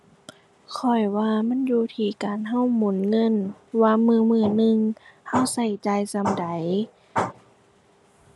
ข้อยว่ามันอยู่ที่การเราหมุนเงิน ว่ามื้อมื้อหนึ่งเราเราจ่ายส่ำใด